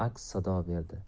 aks sado berdi